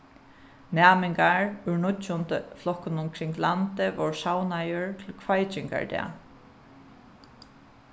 næmingar úr níggjundu flokkunum kring landið vóru savnaðir til kveikingardag